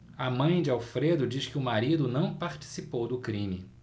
a mãe de alfredo diz que o marido não participou do crime